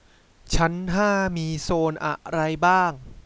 ชั้นห้ามีโซนอะไรบ้าง